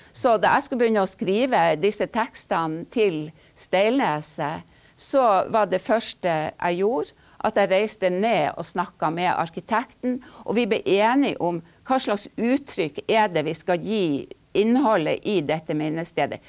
så da jeg skulle begynne å skrive disse tekstene til Steilneset, så var det første jeg gjorde at jeg reiste ned og snakka med arkitekten, og vi blei enig om hva slags uttrykk er det vi skal gi innholdet i dette minnestedet.